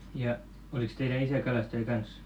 ja olikos teidän isä kalastaja kanssa